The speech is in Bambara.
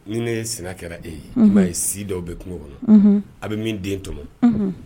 Ni ne ye sina kɛra e ye. Unhun. I ma ye si dɔw bɛ kungo kɔnɔ. Unhun. A bɛ min tɔmɔ. Unhun.